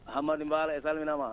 Hammadi MBaalo e salmina maa